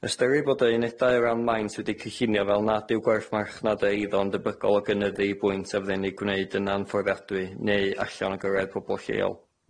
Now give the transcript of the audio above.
Ystyri fod y unedau o ran maint wedi cyllinio fel nad yw gwerth marchnade eiddo yn debygol o gynyddu i bwynt a fydden ni gwneud yn anfforddiadwy neu allan o gyrraedd pobol lleol.